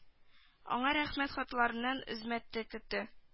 Аңа рәхмәт хатларыннан өзмәде көтте